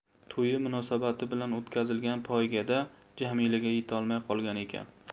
to'yi munosabati bilan o'tkazilgan poygada jamilaga yetolmay qolgan ekan